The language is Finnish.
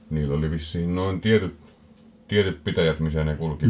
niillä oli vissiin noin tietyt tietyt pitäjät missä ne kulki